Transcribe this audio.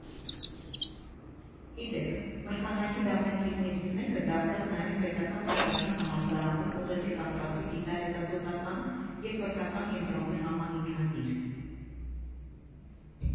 Ի դեպ, մրցանակի դափնեկիրներից մեկը դարձավ նաև Պետական բժշկական համալսարանում ուղեղի կաթվածի գիտահետազոտական և կրթական կենտրոնի համահիմնադիր։